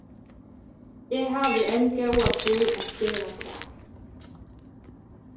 eg havi enn góða tíð at gera tað